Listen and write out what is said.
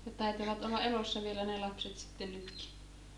ja taitavat olla elossa vielä ne lapset sitten nytkin